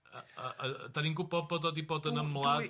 Yy yy dan ni'n gwybod bod o di bod yn ymladd?